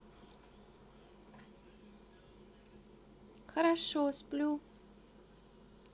хорошо сплю